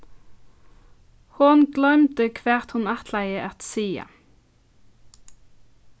hon gloymdi hvat hon ætlaði at siga